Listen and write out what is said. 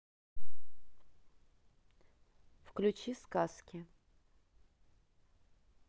включи сказки